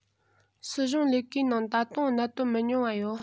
སྲིད གཞུང ལས ཀའི ནང ད དུང གནད དོན མི ཉུང བ ཡོད